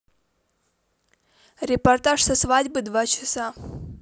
репортаж со свадьбы два часа